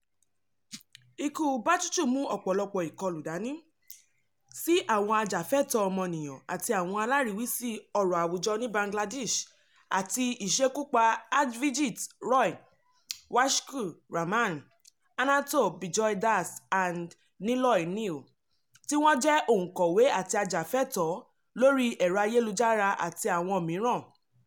Ikú Bachchu mú ọ̀pọ̀lọpọ̀ ìkọlù dání sí àwọn ajàfẹ́tọ̀ọ́ ọmọniyàn àti àwọn aláríwísí ọ̀rọ̀ àwùjọ ní Bangladesh, àti ìṣekúpa Avijit Roy, Washiqur Rahman, Ananto Bijoy Das and Niloy Neel tí wọ́n jẹ́ oǹkọ̀wé àti ajàfẹ́tọ̀ọ́ lóri ẹ̀rọ ayélujára, àti àwọn míràn.